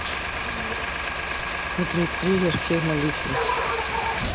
смотреть трейлер фильма люси